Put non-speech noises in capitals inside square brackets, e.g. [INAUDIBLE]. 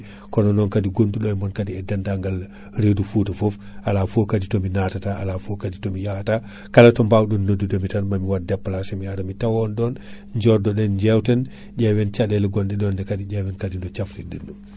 kono non kaadi gondu e mon kaadi dennagal [HESITATION] reedu Fouta foof ala foof kaadi tomi natata ala foof kaadi tomi yahata [BREATH] kala to bawɗon noddudemi tan mami wad déplacé mi ara mi tawa on ɗon joddoɗen jewten ƴewen caɗele gonɗe ɗon ɗe kaadi ƴewen kaadi no cafrirɗen ɗum